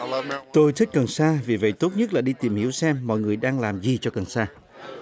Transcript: tôi triết cần sa vì vậy tốt nhất là đi tìm hiểu xem mọi người đang làm gì cho cần sa